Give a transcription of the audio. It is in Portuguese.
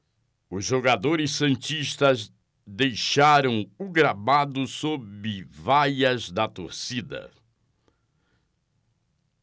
os jogadores santistas deixaram o gramado sob vaias da torcida